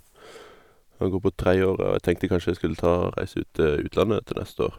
Og jeg går på tredje året, og jeg tenkte kanskje jeg skulle ta å reise ut til utlandet til neste år.